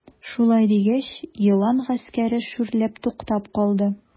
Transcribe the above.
Шулай дигәч, елан гаскәре шүрләп туктап калды.